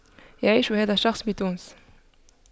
يعيش هذا الشخص بتونس